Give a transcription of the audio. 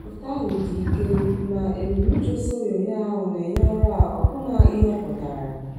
"Foto ahụ dị ike, ma ebumnuche so onyonyo ahụ na-enye ọrụ a ọbụna ihe ọ pụtara.